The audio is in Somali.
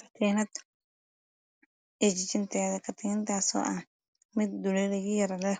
Katiinad iyo jijinteeda katinadasoo ah mid dulelo yar yar leh